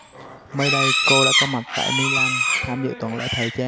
mới đây cô đã có mặt tại milan tham dự tuần lễ thời trang